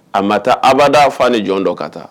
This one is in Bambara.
A ma taa abada a fa ni jɔn dɔ ka taa